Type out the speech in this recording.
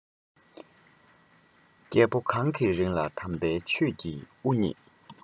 རྒྱལ པོ གང གི རིང ལ དམ པའི ཆོས ཀྱི དབུ བརྙེས